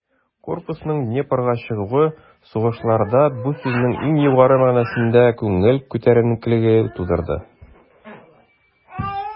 Корпусның Днепрга чыгуы сугышчыларда бу сүзнең иң югары мәгънәсендә күңел күтәренкелеге тудырды.